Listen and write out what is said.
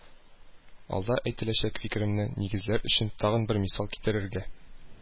Алда әйтеләчәк фикеремне нигезләр өчен тагын бер мисал китерергә